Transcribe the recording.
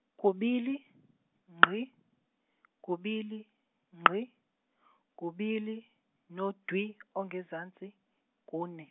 kubili ngqi kubili ngqi kubili nodwi ongezansi kune.